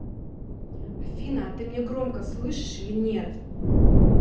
афина а ты мне громко слышишь или нет